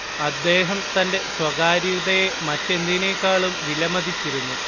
അദ്ദേഹം തന്റെ സ്വകാര്യതയെ മറ്റെന്തിനേക്കാളും വിലമതിച്ചിരുന്നു